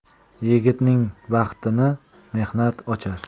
yigitning baxtini mehnat ochar